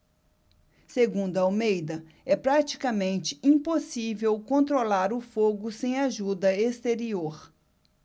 segundo almeida é praticamente impossível controlar o fogo sem ajuda exterior